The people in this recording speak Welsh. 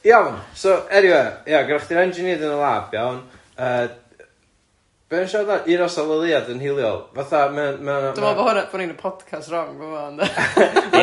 Ymm, iawn so eniwe, ia, gynna chdi'r engineered yn y lab iawn, yy be o'n i'n siarad am ŵan, Un Nos Ola Leuad yn hiliol fatha ma' yna ma' yna... Dwi'n meddwl bo' hwnna bo' ni'n y podcast wrong yn fa'ma yndan?